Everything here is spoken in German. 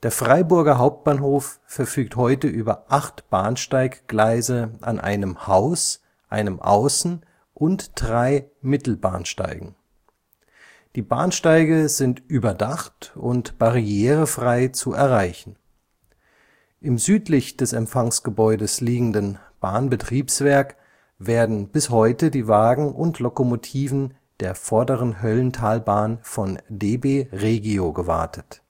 Freiburger Hauptbahnhof verfügt heute über acht Bahnsteiggleise an einem Haus -, einem Außen - und drei Mittelbahnsteigen. Die Bahnsteige sind überdacht und barrierefrei zu erreichen. Im südlich des Empfangsgebäude liegenden Bahnbetriebswerk werden bis heute die Wagen und Lokomotiven der Vorderen Höllentalbahn von DB Regio gewartet